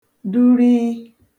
durii